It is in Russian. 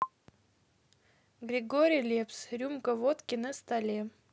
григорий лепс рюмка водки на столе